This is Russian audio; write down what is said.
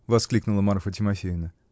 -- воскликнула Марфа Тимофеевна.